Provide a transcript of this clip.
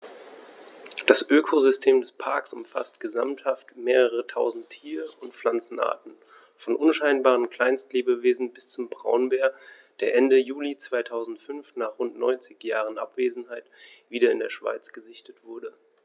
Das Ökosystem des Parks umfasst gesamthaft mehrere tausend Tier- und Pflanzenarten, von unscheinbaren Kleinstlebewesen bis zum Braunbär, der Ende Juli 2005, nach rund 90 Jahren Abwesenheit, wieder in der Schweiz gesichtet wurde.